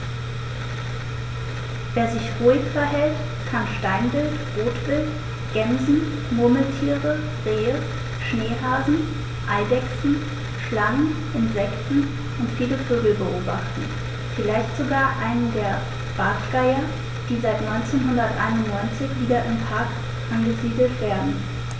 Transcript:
Wer sich ruhig verhält, kann Steinwild, Rotwild, Gämsen, Murmeltiere, Rehe, Schneehasen, Eidechsen, Schlangen, Insekten und viele Vögel beobachten, vielleicht sogar einen der Bartgeier, die seit 1991 wieder im Park angesiedelt werden.